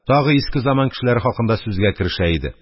Тагы иске заман кешеләре хакында сүзгә керешә иде.